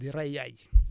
di rey yay ji